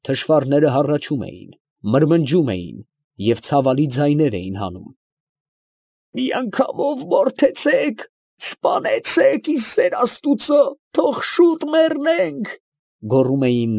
Թշվառները հառաչում էին, մրմնջում էին, և ցավալի ձայներ էին հանում…։ ֊ Մի՛ անգամով մորթեցե՛ք, սպանեցե՛ք, ի սեր աստուծո. թո՛ղ շուտ մեռնենք, ֊ գոռում էին։